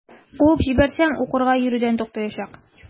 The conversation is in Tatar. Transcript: Куып җибәрсәм, укырга йөрүдән туктаячак.